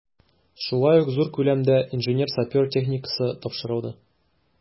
Шулай ук зур күләмдә инженер-сапер техникасы тапшырылды.